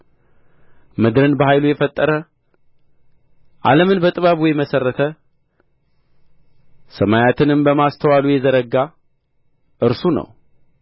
ምድርን በኃይሉ የፈጠረ ዓለሙን በጥበቡ የመሠረተ ሰማያትንም በማስተዋሉ የዘረጋ እርሱ ነው